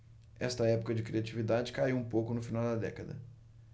esta época de criatividade caiu um pouco no final da década